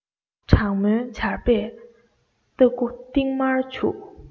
སྦྲང སྨྱོན སྦྱར བས རྟགས བསྐུ ཏིལ མར བྱུགས